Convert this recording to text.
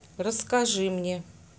расскажи мне